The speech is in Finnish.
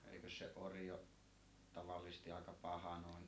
eikös se ori ole tavallisesti aika paha noin